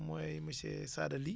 mooy monsieur Sada Ly